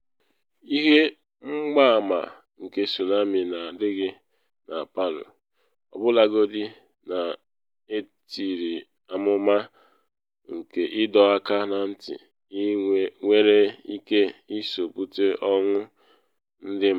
Ihe mgbama nke tsunami na adịghị na Palu, ọbụlagodi na etiri amụma nke ịdọ aka na ntị, nwere ike iso bute ọnwụ ndị mmadụ.